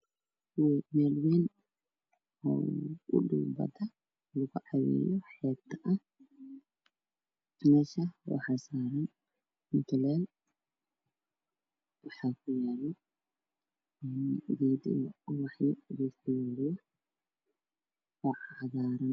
Waa maqaayad waxaa ii muuqda kuraas miisaas geedo cagaaran ayaa ka baxaayo dhulka waa mataleyn qaxwi bad ayaa ka dambeysa